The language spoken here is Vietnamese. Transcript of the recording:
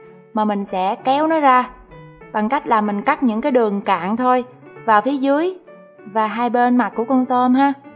mà mình sẽ kéo nó ra bằng cách là mình cắt những cái đường cạn thôi vào phía dưới và hai bên mặt của con tôm ha